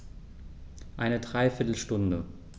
Eine dreiviertel Stunde